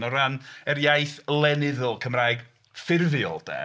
O ran yr iaith lenyddol Cymraeg ffurfiol de.